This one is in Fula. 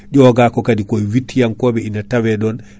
ƴogako kaadi koye witti hankoɓe ina tawe ɗon